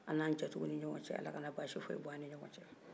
an n'an jatigiw ni ɲɔgɔn cɛ ala kana baasi foyi don an ni ɲɔgɔn cɛ